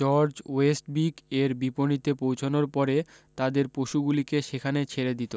George Westbeech এর বিপনীতে পৌঁছনোর পরে তাদের পশুগুলিকে সেখানে ছেড়ে দিত